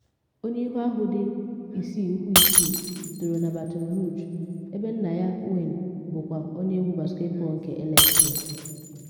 Onye ihu ahụ dị 6-ụkwụ-6 toro na Baton Rouge, ebe nna ya, Wayne, bụkwa onye egwu basketbọọlụ nke LSU.